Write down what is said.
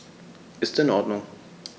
Ist in Ordnung.